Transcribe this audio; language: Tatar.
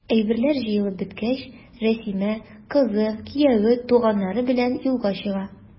Әйберләр җыелып беткәч, Рәсимә, кызы, кияве, туганнары белән юлга чыга.